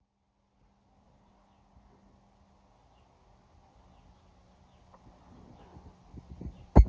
Այդ ժամանակ այն արդեն անցել էր ռուս խաղաղապահների ձեռքը։